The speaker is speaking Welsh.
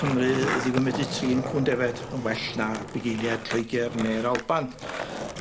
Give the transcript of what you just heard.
Cymru ddim yn medru trin cŵn defaid yn well na bugeiliad Lloeger ne'r Alban.